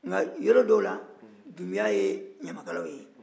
mɛ yɔrɔ dɔw la dunbiya ye ɲamakala ye